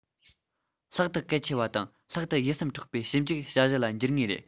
ལྷག ཏུ གལ ཆེ བ དང ལྷག ཏུ ཡིད སེམས འཕྲོག པའི ཞིབ འཇུག བྱ གཞི ལ འགྱུར ངེས རེད